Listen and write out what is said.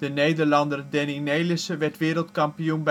Nederlander Danny Nelissen werd wereldkampioen